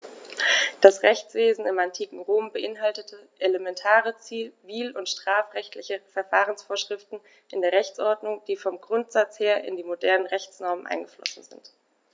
Das Rechtswesen im antiken Rom beinhaltete elementare zivil- und strafrechtliche Verfahrensvorschriften in der Rechtsordnung, die vom Grundsatz her in die modernen Rechtsnormen eingeflossen sind.